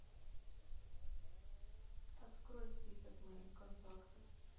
открой список моих контактов